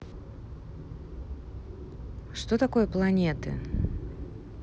что такое планеты